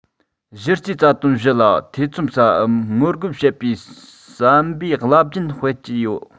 གཞི རྩའི རྩ དོན བཞི ལ ཐེ ཚོམ ཟ བའམ ངོ རྒོལ བྱེད པའི བསམ པའི རླབས རྒྱུན སྤེལ གྱི ཡོད